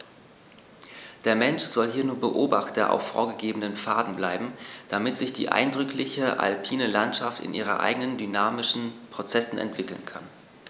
Der Mensch soll hier nur Beobachter auf vorgegebenen Pfaden bleiben, damit sich die eindrückliche alpine Landschaft in ihren eigenen dynamischen Prozessen entwickeln kann.